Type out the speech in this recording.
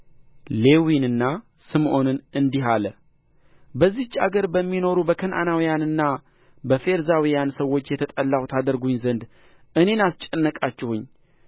ሌዊንና ስሞዖንን እንዲህ አለ በዚች አገር በሚኖሩ በከነዓናውያንና በፌርዛውያን ሰዎች የተጠላሁ ታደርጉኝ ዘንድ እኔን አስጨነቃችሁኝ